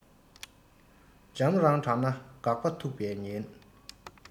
འཇམ རང དྲགས ན འགག པ ཐུག པའི ཉེན